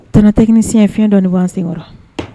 Tɛnɛ technicien fiyɛn dɔɔnin bɔ an sen kɔrɔ.